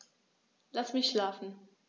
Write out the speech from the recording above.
Lass mich schlafen